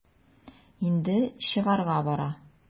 Инде чыгарга бара.